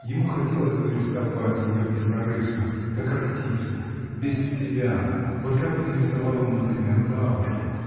Ему хотелось бы рисовать ее бескорыстно, как артисту, без себя, вот как бы нарисовал он, например, бабушку.